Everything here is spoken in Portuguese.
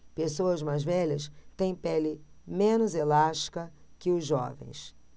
pessoas mais velhas têm pele menos elástica que os jovens